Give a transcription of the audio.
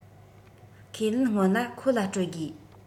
ཁས ལེན སྔོན ལ ཁོ ལ སྤྲོད དགོས